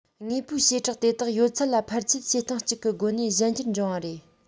དངོས པོའི བྱེ བྲག དེ དག ཡོད ཚད ལ ཕལ ཆེར བྱེད སྟངས གཅིག གི སྒོ ནས གཞན འགྱུར འབྱུང བ རེད